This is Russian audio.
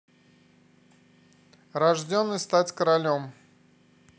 рожденный стать королем